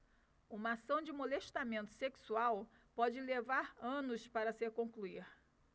uma ação de molestamento sexual pode levar anos para se concluir